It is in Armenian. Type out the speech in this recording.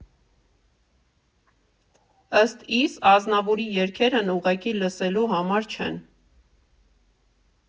Ըստ իս, Ազնավուրի երգերն ուղղակի լսելու համար չեն.